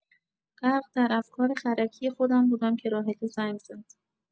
غرق در افکار خرکی خودم بودم که راحله زنگ زد.